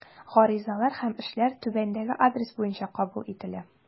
Гаризалар һәм эшләр түбәндәге адрес буенча кабул ителә.